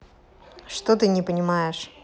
что ты не понимаешь